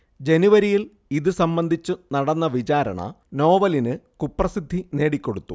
ജനുവരിയിൽ ഇതുസംബന്ധിച്ചു നടന്ന വിചാരണ നോവലിന് കുപ്രസിദ്ധി നേടിക്കൊടുത്തു